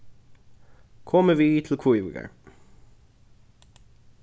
komið við til kvívíkar